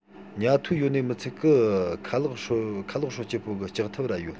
ཉལ ཐུལ ཡོད ནི མི ཚད ཁ ལག སྲོ སྤྱད པོ ལྕགས ཐབ པ ར ཡོད